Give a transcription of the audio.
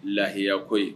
Lahiya ko